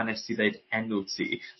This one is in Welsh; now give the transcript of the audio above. pan nest ti ddeud enw ti